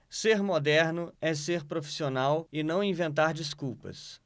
ser moderno é ser profissional e não inventar desculpas